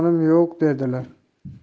armonim yo'q derdilar